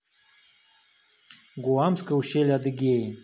гуамское ущелье адыгея